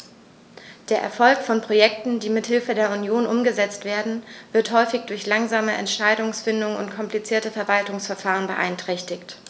Der Erfolg von Projekten, die mit Hilfe der Union umgesetzt werden, wird häufig durch langsame Entscheidungsfindung und komplizierte Verwaltungsverfahren beeinträchtigt.